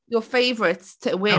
Your favourites to win...